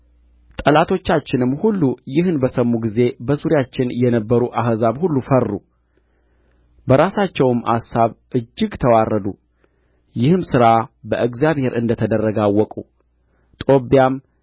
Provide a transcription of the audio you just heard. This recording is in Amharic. ጠላቶቻችንም ሁሉ ይህን በሰሙ ጊዜ በዙሪያችን የነበሩ አሕዛብ ሁሉ ፈሩ በራሳቸውም አሳብ እጅግ ተዋረዱ ይህም ሥራ በእግዚአብሔር እንደ ተደረገ አወቁ ጦብያም